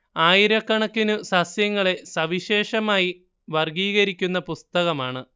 ആയിരക്കണക്കിനു സസ്യങ്ങളെ സവിശേഷമായി വർഗ്ഗീകരിക്കുന്ന പുസ്തകമാണ്